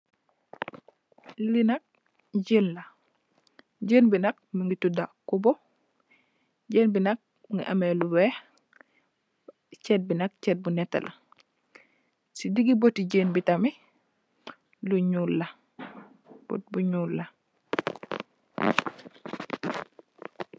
Li nak jén la, jén bi nak mugii toddu kopo, jén bi nak mugii ameh lu wèèx cet bi nak cet bu netteh la. Ci digih bótti jén bi tamid lu ñuul la, bót bu ñuul la.